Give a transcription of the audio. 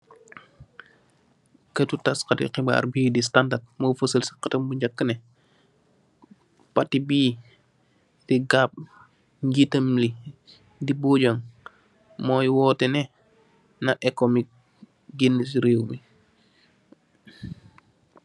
Kayiti tas kati xibaar yi,"The Standard", ñu fësal si xëtëm bu ñjaka ne, Patti bii, di GAP, ñietam li, di Boojang, mooy woote ne, na ekomic gënë si rëw mi.